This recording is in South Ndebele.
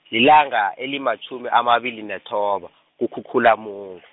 lilanga elimatjhumi amabili nethoba, kuKhukhulamungu.